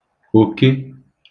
òke